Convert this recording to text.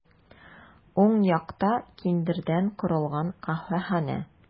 Уң якта киндердән корылган каһвәханә.